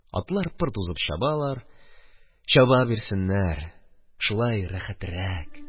Атлар пыр тузып чабалар, чаба бирсеннәр, шулай рәхәтрәк.